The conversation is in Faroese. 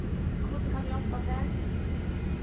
hvussu kann eg hjálpa tær